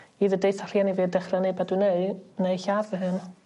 either deutha rhieni fi a dechra neu be' dwi'n neu' neu lladd fy hun.